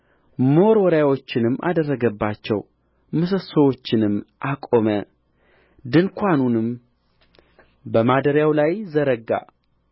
መወርወሪያዎቹንም አደረገባቸው ምሰሶቹንም አቆመ ድንኳኑንም በማደሪያው ላይ ዘረጋ